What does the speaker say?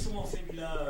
Su se